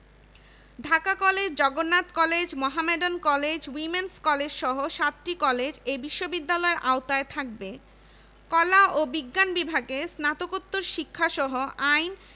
চিকিৎসা প্রকৌশল ও অন্যান্য বিষয়ে প্রশিক্ষণের ব্যবস্থা বিশ্ববিদ্যালয়ের কার্যক্রমের আওতাভুক্ত থাকবে